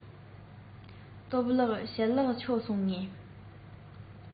སྟོབས ལགས ཞལ ལག མཆོད སོང ངས